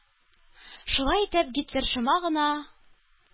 Шулай итеп Гитлер шома гына